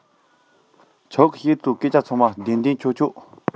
ཁྱོད ཀྱིས བཤད ཚད ཐམས ཅད བདེན བདེན འཆོལ འཆོལ